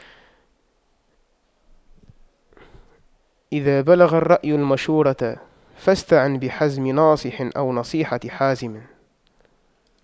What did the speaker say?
إذا بلغ الرأي المشورة فاستعن بحزم ناصح أو نصيحة حازم